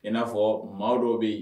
I n'afɔ maa dɔw bɛ yen